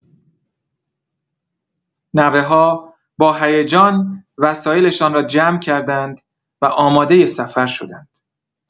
نوه‌ها با هیجان وسایلشان را جمع کردند و آمادۀ سفر شدند.